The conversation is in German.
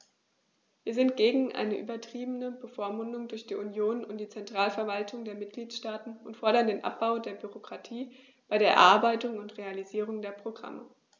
Wir sind gegen eine übertriebene Bevormundung durch die Union und die Zentralverwaltungen der Mitgliedstaaten und fordern den Abbau der Bürokratie bei der Erarbeitung und Realisierung der Programme.